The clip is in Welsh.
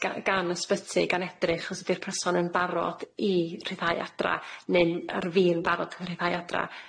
ga- gan y sbyty, gan edrych os ydi'r person yn barod i rhyddhau adra, ne'n ar fin barod eu rhyddhau adra.